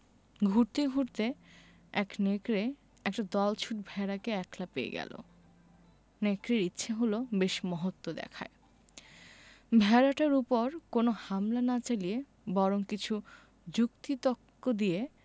ঘুরতে ঘুরতে এক নেকড়ে একটা দলছুট ভেড়াকে একলা পেয়ে গেল নেকড়ের ইচ্ছে হল বেশ মহত্ব দেখায় ভেড়াটার উপর কোন হামলা না চালিয়ে বরং কিছু যুক্তি তক্ক দিয়ে